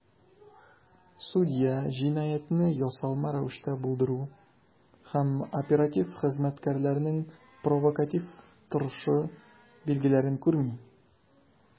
Судья "җинаятьне ясалма рәвештә булдыру" һәм "оператив хезмәткәрләрнең провокатив торышы" билгеләрен күрми.